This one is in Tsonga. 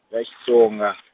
ra Xitsonga.